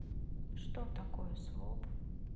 что такое своп